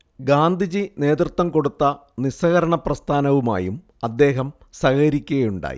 ഗാന്ധിജി നേതൃത്വം കൊടുത്ത നിസ്സഹകരണ പ്രസ്ഥാനവുമായും അദ്ദേഹം സഹകരിയ്ക്കുകയുണ്ടായി